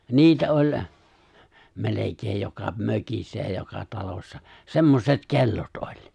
niitä oli melkein joka mökissä ja joka talossa semmoiset kellot oli